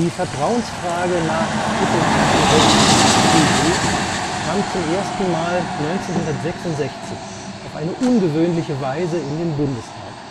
Vertrauensfrage nach Art. 68 GG kam zum ersten Mal 1966 auf eine ungewöhnliche Weise in den Bundestag